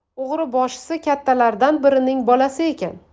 o'g'riboshisi kattalardan birining bolasi ekan